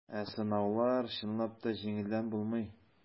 Ә сынаулар, чынлап та, җиңелдән булмый.